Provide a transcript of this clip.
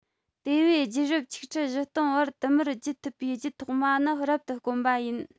དེ བས རྒྱུད རབས ཆིག ཁྲི བཞི སྟོང བར དུ མར བརྒྱུད ཐུབ པའི རྒྱུད ཐོག མ ནི རབ ཏུ དཀོན པ ཡིན